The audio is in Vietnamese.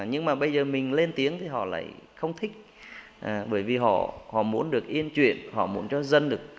nhưng mà bây giờ mình lên tiếng thì họ lại không thích bởi vì họ họ muốn được yên chuyện họ muốn cho dân được